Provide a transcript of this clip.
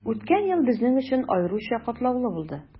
Үткән ел безнең өчен аеруча катлаулы булды.